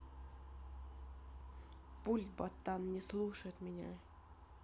пульт ботан не слушает меня